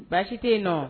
Baasi tɛ yen nɔ.